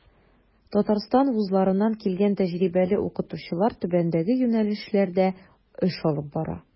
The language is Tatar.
Татарстан вузларыннан килгән тәҗрибәле укытучылар түбәндәге юнәлешләрдә эш алып бара.